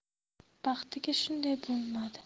baxtiga bunday bo'lmadi